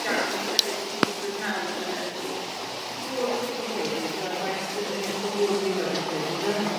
gan ystyried be' sy'n digwydd nawr on' yfe yn y byd. Heboli fi'n credu on'd yw e? Gwaith S- Innes Heboli yw e fi'n credu yfe?